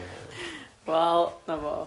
Wel, 'na fo.